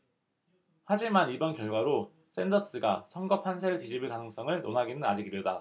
하지만 이번 결과로 샌더스가 선거 판세를 뒤집을 가능성을 논하기는 아직 이르다